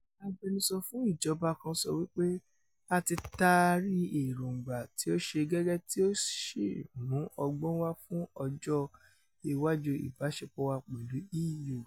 Agbẹnusọ fún ìjọba kan sọ wípé: "A ti taari èròǹgbà tí ó ṣe gẹ́gẹ́ tí ó ṣì mú ọgbọ́n wa fún ọjọ́ iwájú ìbáṣepọ̀ wa pẹ̀lú EU.”